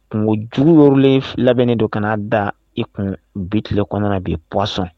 O jugu yɔrɔlen labɛnnen don kana'a da i tun biti kɔnɔna na biɔsɔn